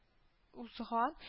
Узган